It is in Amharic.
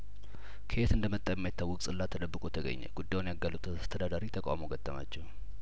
ከየት እንደመጣ የማይታወቅ ጽላት ተደብቆ ተገኘ ጉዳዩን ያጋለጡት አስተዳዳሪ ተቃውሞ ገጠማቸው